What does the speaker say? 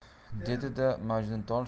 dedi da majnuntol